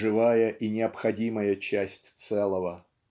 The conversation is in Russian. живая и необходимая часть целого.